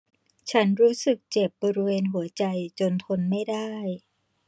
ฉันรู้สึกเจ็บบริเวณหัวใจจนทนไม่ได้